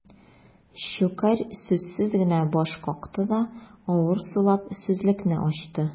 Щукарь сүзсез генә баш какты да, авыр сулап сүзлекне ачты.